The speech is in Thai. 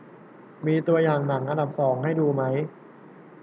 มีตัวอย่างหนังอันดับสองให้ดูไหม